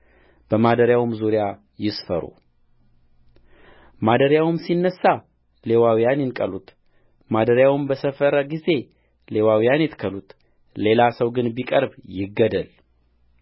በማደሪያውም ዙሪያ ይስፈሩማደሪያውም ሲነሣ ሌዋውያን ይንቀሉት ማደሪያውም በሰፈረ ጊዜ ሌዋውያን ይትከሉት ሌላ ሰው ግን ቢቀርብ ይገደል